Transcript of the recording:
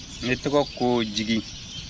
ne tɔgɔ ko jigi